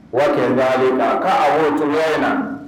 Waati le k'a woro cogoya in na